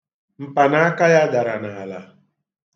Mpanaaka ya dara n'ala.